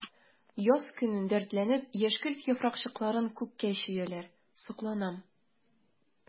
Яз көне дәртләнеп яшькелт яфракчыкларын күккә чөяләр— сокланам.